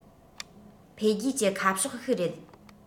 འཕེལ རྒྱས ཀྱི ཁ ཕྱོགས ཤིག རེད